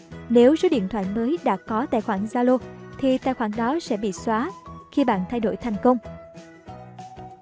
nếu số điện thoại mới đã có tài khoản zalo thì tài khoản đó sẽ bị xóa khi bạn thay đổi thành công